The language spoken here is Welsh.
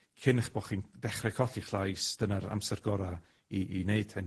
cyn eich bod chi'n ddechre colli'ch llais, dyna'r amser gora' i i wneud hyn.